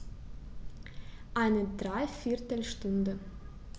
Eine dreiviertel Stunde